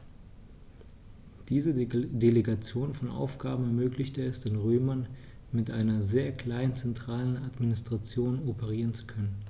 Diese Delegation von Aufgaben ermöglichte es den Römern, mit einer sehr kleinen zentralen Administration operieren zu können.